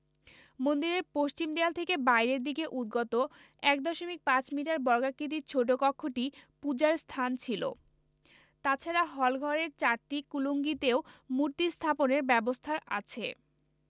মন্দিরের পশ্চিম দেয়াল থেকে বাইরের দিকে উদগত ১ দশমিক ৫ মিটার বর্গাকৃতির ছোট কক্ষটি পূজার স্থান ছিল তাছাড়া হলঘরের চারটি কুলুঙ্গিতেও মূর্তি স্থাপনের ব্যবস্থা আছে